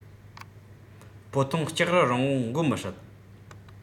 སྤོ ཐུང ལྕགས རི རིང བོར འགོད མི སྲིད